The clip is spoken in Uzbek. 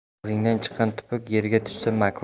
og'zingdan chiqqan tupruk yerga tushsa makruh